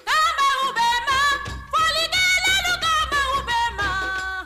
K'an b'aw bɛ ma folikɛlalu k'an b'aw bɛ maa